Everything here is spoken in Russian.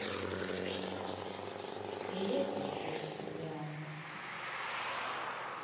привет сосед в реальности